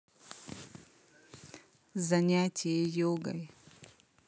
занятие йогой